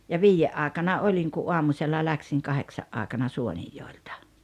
ja viiden aikana olin kun aamusella lähdin kahdeksan aikana Suonenjoelta